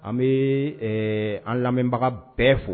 An bɛ an lamɛnbaga bɛɛ